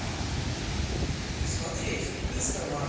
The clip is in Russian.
смотреть мистер макс